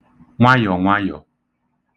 nwayọ̀nwāyọ̀